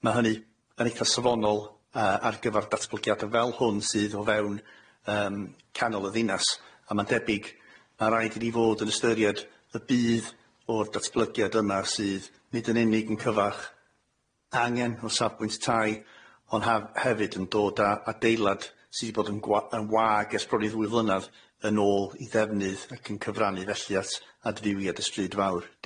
Ma' hynny yn eitha safonol yy ar gyfar datblygiada fel hwn sydd o fewn yym canol y ddinas a ma'n debyg ma' raid i ni fod yn ystyried y budd o'r datblygiad yma sydd nid yn unig yn cyfach angen o safbwynt tai ond haf- hefyd yn dod â adeilad sydd wedi bod yn gwa- yn wag ers bron i ddwy flynadd yn ôl i ddefnydd ac yn cyfrannu felly at adfywiad y stryd fawr. Diolch.